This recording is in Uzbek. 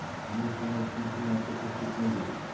amerikani ikkinchi marta kashf etmaydilar